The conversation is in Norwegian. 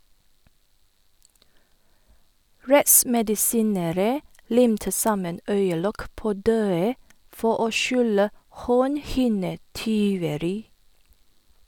Rettsmedisinere limte sammen øyelokk på døde for å skjule hornhinnetyveri.